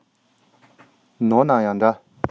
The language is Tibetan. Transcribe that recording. ནོར ནའང འདྲ